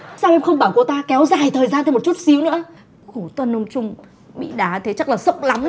sao em không bảo cô ta kéo dài thời gian một chút xíu nữa khổ thân ông trung bị đá thế chắc là sốc lắm đấy